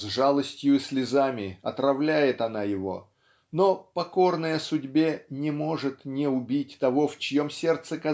С жалостью и слезами отравляет она его но покорная судьбе не может не убить того в чьем сердце